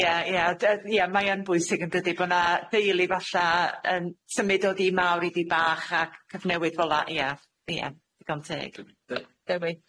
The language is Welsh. Ie ie dy- ie mae yn bwysig yndydi bo' na ddeulu falla yn symud o dŷ mawr i dŷ bach ac cyfnewid fela ia ia digon teg.